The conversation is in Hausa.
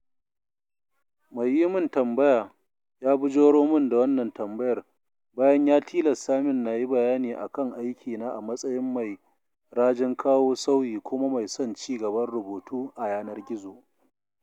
Mai yi min tambaya ya bujuro min da wannan tambayar, bayan ya tilasta min na yi bayani a kan aikina a matsayin mai rajin kawo sauyi kuma mai son ci gaban rubutu a yanar gizo